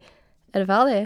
Er det ferdig?